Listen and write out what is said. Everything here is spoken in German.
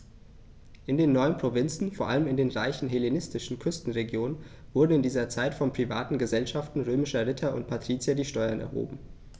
In den neuen Provinzen, vor allem in den reichen hellenistischen Küstenregionen, wurden in dieser Zeit von privaten „Gesellschaften“ römischer Ritter und Patrizier die Steuern erhoben.